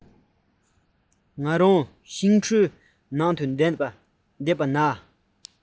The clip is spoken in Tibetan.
ང རང ཤིང གྲུའི ནང དུ བསྡད པ ན